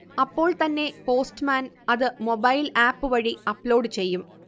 അപ്പോൾത്തന്നെ പോസ്റ്റ്മാൻ അത് മൊബൈൽആപ്പ് വഴി അപ്ലോഡ് ചെയ്യും